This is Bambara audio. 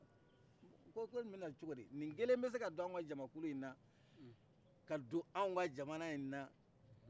u ko ko nin bɛna cogo di ni kelen bɛ se ka do anw ka jamakulu inna ka do anw ka jamanan in na